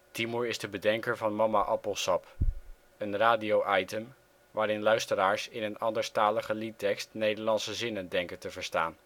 Timur is de bedenker van Mama Appelsap, een radio item waarin luisteraars in een anderstalige liedtekst Nederlandse zinnen denken te verstaan